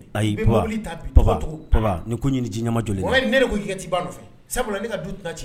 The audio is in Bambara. Ayi ni ko ɲini ji ɲɛmajɔ ne koti nɔfɛ sabula ne ka du ci